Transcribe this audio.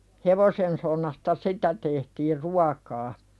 hevosensonnasta sitä tehtiin ruokaa